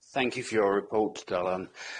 Thank you for your report Dylan.